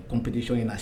Kopdisi in na